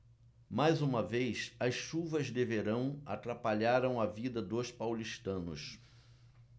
mais uma vez as chuvas de verão atrapalharam a vida dos paulistanos